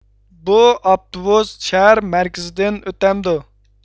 بۇ ئاپتوبۇس شەھەر مەركىزىدىن ئۆتەمدۇ